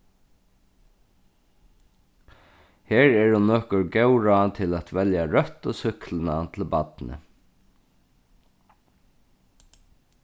her eru nøkur góð ráð til at velja røttu súkkluna til barnið